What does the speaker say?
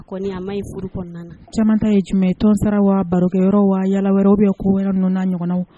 Kɔni a man ɲi furu kɔnɔna na, caman ta ye jumɛn ye tɔn sara wa barokɛyɔrɔ wa yala wɛrɛ ou bien ko wɛrɛ ninnu n'a ɲɔgɔnnaw